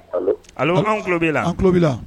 Alian tulolo bɛ la an tulo bɛ